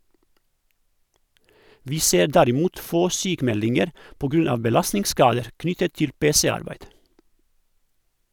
- Vi ser derimot få sykemeldinger på grunn av belastningsskader knyttet til PC-arbeid.